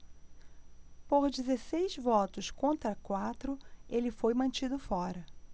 por dezesseis votos contra quatro ele foi mantido fora